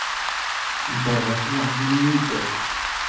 балаган лимитед